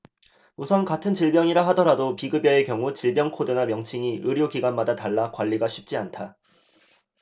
우선 같은 질병이라 하더라도 비급여의 경우 질병 코드나 명칭이 의료기관마다 달라 관리가 쉽지 않다